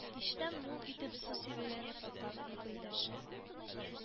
Кичтән мул итеп су сибелгән яфраклар лепердәшә